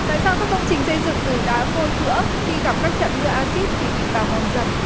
tại sao các công trình xây dựng từ đá vôi vữa khi gặp các trận mưa a xít thì bị bào mòn dần